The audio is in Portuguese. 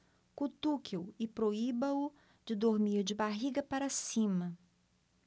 cutuque-o e proíba-o de dormir de barriga para cima